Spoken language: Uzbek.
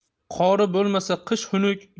qori bo'lmasa qish xunuk